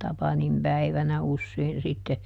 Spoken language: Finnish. Tapanin päivänä usein sitten